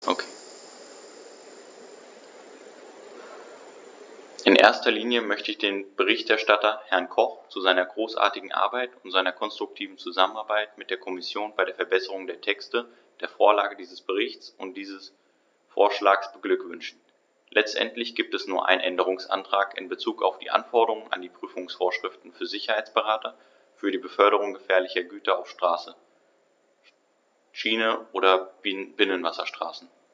In erster Linie möchte ich den Berichterstatter, Herrn Koch, zu seiner großartigen Arbeit und seiner konstruktiven Zusammenarbeit mit der Kommission bei der Verbesserung der Texte, der Vorlage dieses Berichts und dieses Vorschlags beglückwünschen; letztendlich gibt es nur einen Änderungsantrag in bezug auf die Anforderungen an die Prüfungsvorschriften für Sicherheitsberater für die Beförderung gefährlicher Güter auf Straße, Schiene oder Binnenwasserstraßen.